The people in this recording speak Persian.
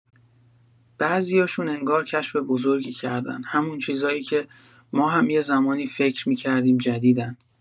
بعضیاشون انگار کشف بزرگی کردن، همون چیزایی که ما هم یه زمانی فکر می‌کردیم جدیدن.